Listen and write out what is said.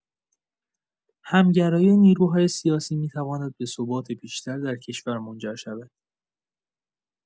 همگرایی نیروهای سیاسی می‌تواند به ثبات بیشتر در کشور منجر شود.